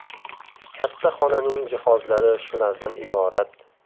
katta xonaning jihozlari shulardan iborat